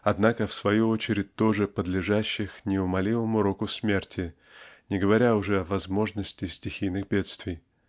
однако в свою очередь тоже подлежащих неумолимому року смерти (не говоря уже о возможности стихийных бедствий)